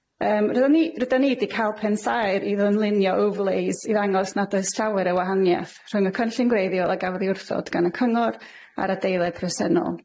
Yym, rydan ni- rydan ni 'di ca'l pen saer i ddylunio overlays i ddangos nad oes llawer o wahaniath rhwng y cynllun gwreiddiol a gafodd 'i wrthod gan y cyngor, a'r adeilad presennol.